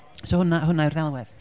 So hwnna hwnna yw'r ddelwedd.